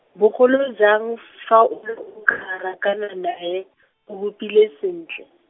bogolo jang fa o ne o ka rakana nae , a hupile sentle.